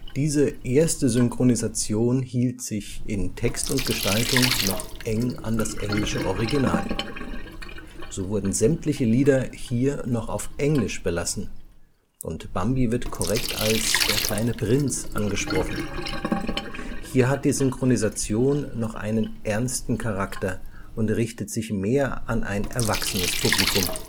Diese erste Synchronisation hielt sich in Text und Gestaltung noch eng an das englische Original. So wurden sämtliche Lieder hier noch auf Englisch belassen, und Bambi wird korrekt als „ der kleine Prinz “angesprochen. Hier hat die Synchronisation noch einen ernsten Charakter und richtet sich mehr an ein erwachsenes Publikum